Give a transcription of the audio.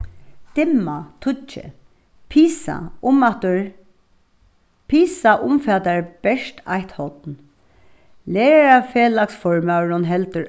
dimma tíggju pisa um aftur pisa umfatar bert eitt horn lærarafelagsformaðurin heldur